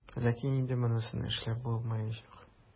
Ләкин инде монысын эшләп булмаячак.